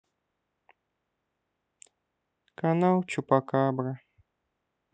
канал чупакабра